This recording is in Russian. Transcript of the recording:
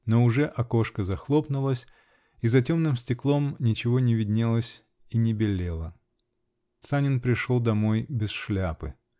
Но уже окошко захлопнулось, и за темным стеклом ничего не виднелось и не белело. Санин пришел домой без шляпы.